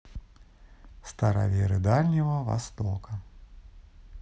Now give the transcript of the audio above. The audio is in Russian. староверы дальнего востока